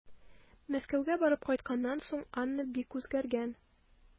Мәскәүгә барып кайтканнан соң Анна бик үзгәргән.